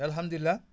alhamdulilah